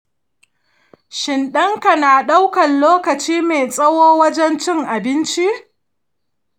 shin ɗan ka na ɗaukan lokacin mai tsawo wajen cinye abinci?